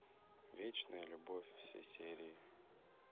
вечная любовь все серии